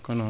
ko non